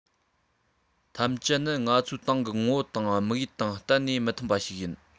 ཐམས ཅད ནི ང ཚོའི ཏང གི ངོ བོ དང དམིགས ཡུལ དང གཏན ནས མི མཐུན པ ཞིག ཡིན